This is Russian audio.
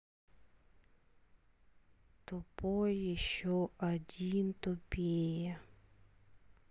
тупой еще один тупее